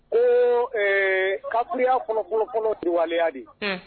Ko kaya kolonkolonkolonwaya de